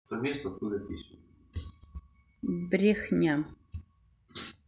брехня